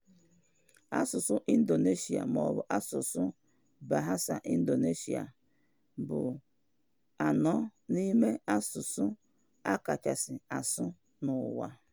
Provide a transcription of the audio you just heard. Asụsụ Indonesia – maọbụ asụsụ Bahasa Indonesia – bụ anọ n'ịme asụsụ a kachasị asụ n'ụwa.